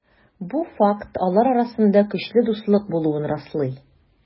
Бу факт алар арасында көчле дуслык булуын раслый.